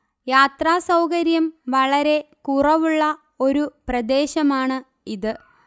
യാത്രാ സൗകര്യം വളരെ കുറവുള്ള ഒരു പ്രദേശമാണ് ഇത്